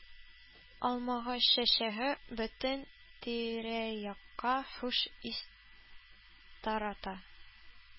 Алмагач чәчәге бөтен тирә-якка хуш ис тарата.